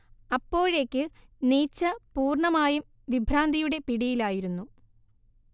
അപ്പോഴേക്ക് നീച്ച പൂർണ്ണമായും വിഭ്രാന്തിയുടെ പിടിയിലായിരുന്നു